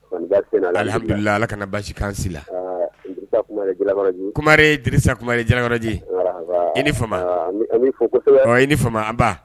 Kɔni baasi tɛ yen nɔ, alihamudulila, a Dirisa Kumare Jalakɔrɔji, Kumare Dirisa Kumare Jalakɔrɔji, i ni fama, a an b'i fo koɛbɛ, a i ni fama, anba